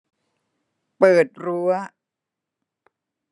เปิดรั้ว